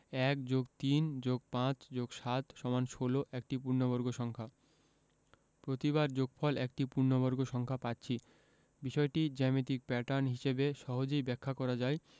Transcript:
১+৩+৫+৭=১৬ একটি পূর্ণবর্গ সংখ্যা প্রতিবার যোগফল একটি পূর্ণবর্গ সংখ্যা পাচ্ছি বিষয়টি জ্যামিতিক প্যাটার্ন হিসেবে সহজেই ব্যাখ্যা করা যায়